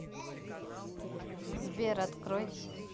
сбер открой